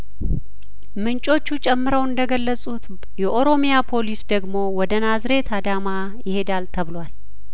ምንጮቹ ጨምረው እንደገለጹት የኦሮሚያ ፖሊስ ደግሞ ወደ ናዝሬት አዳማ ይሄዳል ተብሏል